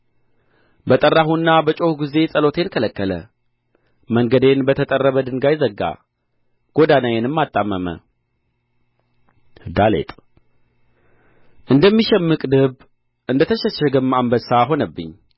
በጠራሁና በጮኽሁ ጊዜ ጸሎቴን ከለከለ መንገዴን በተጠረበ ድንጋይ ዘጋ ጐዳናዬንም አጣመመ ዳሌጥ እንደሚሸምቅ ድብ እንደ ተሸሸገም አንበሳ ሆነብኝ